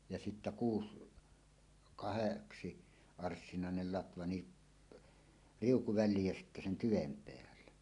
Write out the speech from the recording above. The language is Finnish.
ja sitten kuusi kahdeksan arssinaiselle latva niin riuku väliin ja sitten sen tyven päälle